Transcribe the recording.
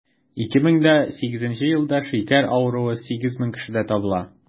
2008 елда шикәр авыруы 8 мең кешедә табыла.